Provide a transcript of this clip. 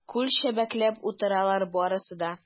Кул чәбәкләп утыралар барысы да.